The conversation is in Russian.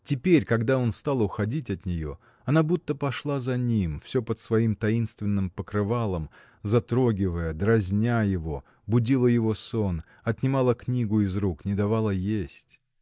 Теперь, когда он стал уходить от нее, — она будто пошла за ним, всё под своим таинственным покрывалом, затрогивая, дразня его, будила его сон, отнимала книгу из рук, не давала есть.